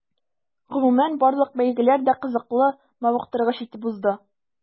Гомумән, барлык бәйгеләр дә кызыклы, мавыктыргыч итеп узды.